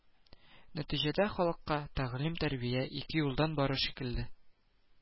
Нәтиҗәдә, халыкка тәгълим-тәрбия ике юлдан бара шикелле